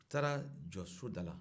a taara jɔ so da la